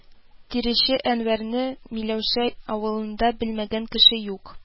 Тирече Әнвәрне Миләүшә авылында белмәгән кеше юк